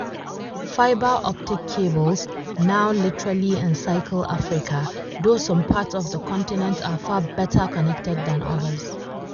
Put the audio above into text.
Fibre optic cables now literally encircle Africa, though some parts of the continent are far better connected than others.